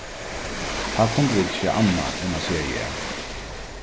tá kundu vit ikki annað enn at siga ja